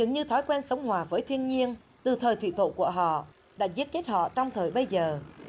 dường như thói quen sống hòa với thiên nhiên từ thời thủy tổ của họ đã giết chết họ trong thời bấy giờ